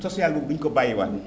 social boobu bu énu ko bàyyiwaat